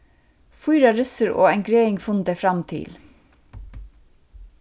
fýra ryssur og ein greðing funnu tey fram til